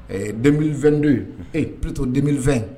Ɛɛ den2 don ye ee p too den2